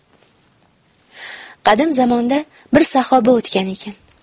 qadim zamonda bir saxoba o'tgan ekan